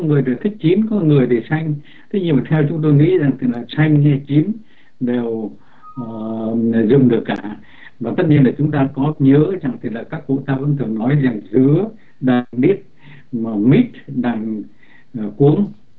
người thì thích chín có người thì thích xanh theo chúng tôi nghĩ rằng từ xanh hay chín đều dùng được cả nó tất nhiên để chúng ta có nhớ rằng tỷ lệ các cụ ta vẫn thường nói rằng dứa đằng đít mít đằng cuống cũng